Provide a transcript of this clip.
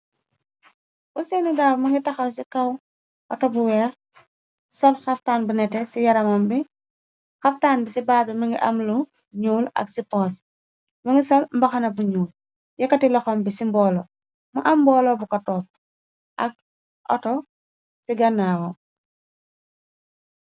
Ousain Darboe mungi taxaw ci kaw auto bu weex, sol xaftaan bu nete ci yaramam bi. Xaftaan bi ci baat mungi am lu ñuul ak ci poosi mi ngi sol mboxana bu ñuul yakkati loxam bi ci mboolo mu am mboolo bu ka topp ak auto ci gannaawo